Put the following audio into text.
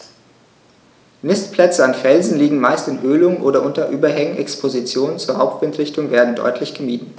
Nistplätze an Felsen liegen meist in Höhlungen oder unter Überhängen, Expositionen zur Hauptwindrichtung werden deutlich gemieden.